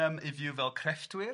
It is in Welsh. ...yym i fyw fel crefftwyr.